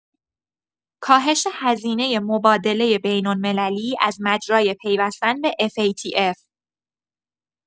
کاهش هزینه مبادلۀ بین‌المللی از مجرای پیوستن به اف‌ای‌تی‌اف